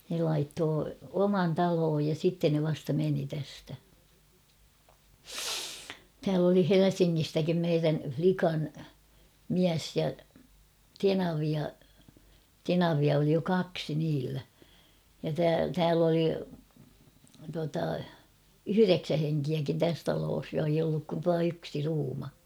ne laittoivat oman talon ja sitten ne vasta meni tästä täällä oli Helsingistäkin meidän likan mies ja tenavia tenavia oli jo kaksi niillä ja - täällä oli tuota yhdeksän henkeäkin tässä talossa ja ei ollut kuin tuo yksi ruuma